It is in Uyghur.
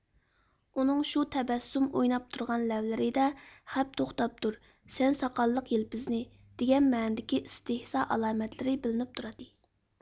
ئۇنىڭ شۇ تەبەسسۇم ئويناپ تۇرغان لەۋلىرىدە خەپ توختاپ تۇر سەن ساقاللىق يىلپىزنى دېگەن مەنىدىكى ئىستىھزا ئالامەتلىرى بىلىنىپ تۇراتتى